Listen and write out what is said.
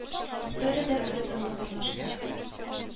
Аудиторияда үле тынлык урнашты